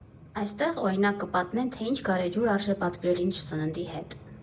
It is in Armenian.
Այստեղ, օրինակ՝ կպատմեն, թե ինչ գարեջուր արժե պատվիրել ինչ սննդի հետ։